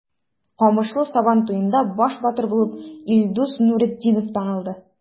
Камышлы Сабан туенда баш батыр булып Илдус Нуретдинов танылды.